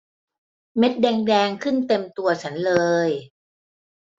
เม็ดแดงแดงขึ้นเต็มตัวฉันเลย